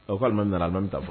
O k' nana n bɛ taa